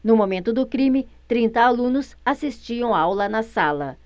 no momento do crime trinta alunos assistiam aula na sala